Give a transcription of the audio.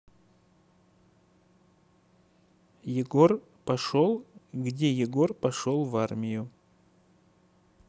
егор пошел где егор пошел в армию